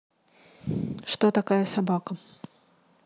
что такая собака